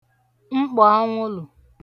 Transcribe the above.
mkpọ̀anwụ̀lụ̀